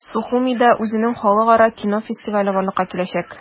Сухумида үзенең халыкара кино фестивале барлыкка киләчәк.